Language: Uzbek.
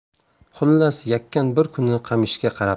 xullas yakan bir kuni qamishga qarab